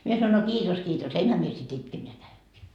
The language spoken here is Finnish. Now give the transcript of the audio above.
minä sanoin no kiitos kiitos enhän minä sitten itke minä lähdenkin